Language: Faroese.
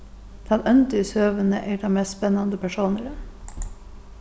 tann óndi í søguni er tann mest spennandi persónurin